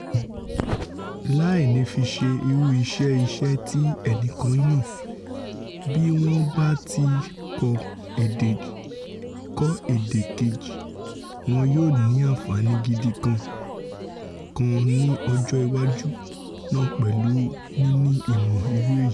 Láìnífiṣe irú iṣẹ́-ìṣe ti ẹnìkan yàn, bí wọ́n báti kọ́ èdè keji, wọn yóò ní àǹfààní gidi kan ní ọjọ́ iwájú náà pẹ̀lú níní ìmọ̀́ irú èyí.